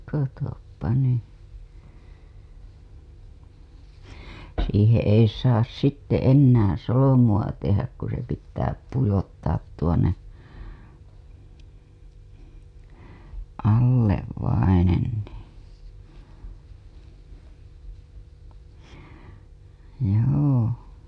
katso nyt siihen ei saa sitten enää solmua tehdä kun se pitää pujottaa tuonne alle vainen niin joo